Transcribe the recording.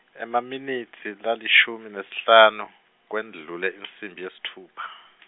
Emaminitsi lalishumi nesihlanu, kwendlule insimbi yesitfupha .